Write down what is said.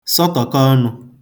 sọtọkọ ọnụ